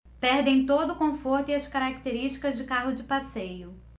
perdem todo o conforto e as características de carro de passeio